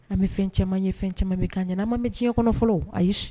An bɛ fɛn cɛmanma ɲɛ ye fɛn camanma bɛ k'a ɲɛ an ma bɛ diɲɛ kɔnɔ fɔlɔ ayi